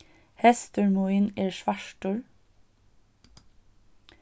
hestur mín er svartur